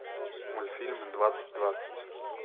мультфильмы двадцать двадцать